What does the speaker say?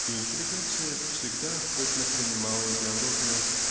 И интеллигенция всегда охотно принимала идеологию